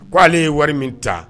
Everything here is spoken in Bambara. Ko ale ye wari min ta